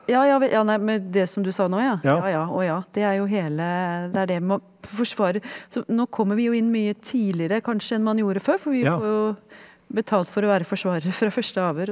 ja ja ja nei med det som du sa nå ja ja ja å ja det er jo hele det er det med å forsvare så nå kommer vi jo inn mye tidligere kanskje enn man gjorde før, for vi får jo betalt for å være forsvarer fra første avhør.